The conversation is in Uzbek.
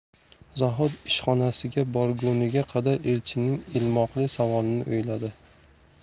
zohid ishxonasiga borguniga qadar elchinning ilmoqli savolini o'yladi